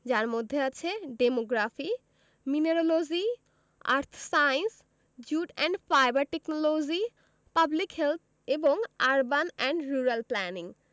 যার মধ্যে আছে demography mineralogy earth science jute and fibre technology public health এবং আরবান অ্যান্ড রুরাল প্ল্যানিং